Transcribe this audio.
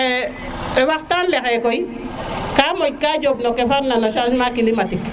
waxtan le xaye koy ka monj ka job no ke far na no changement climatique